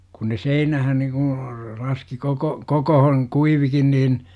kun ne seinään niin kuin laski koko kokoon kuivuikin niin